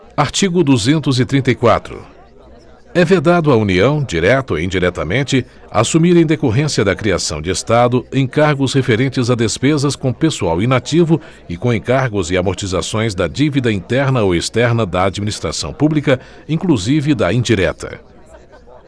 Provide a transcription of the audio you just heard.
artigo duzentos e trinta e quatro é vedado à união direta ou indiretamente assumir em decorrência da criação de estado encargos referentes a despesas com pessoal inativo e com encargos e amortizações da dívida interna ou externa da administração pública inclusive da indireta